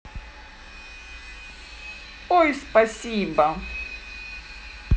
ой спасибо